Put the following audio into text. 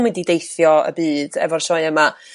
n'w yn mynd i deithio y byd efo'r sioea' 'ma